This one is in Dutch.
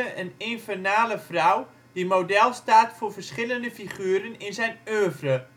en ' infernale ' vrouw die model staat voor verschillende figuren in zijn oeuvre